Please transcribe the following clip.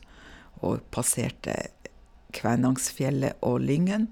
Og v passerte Kvænangsfjellet og Lyngen.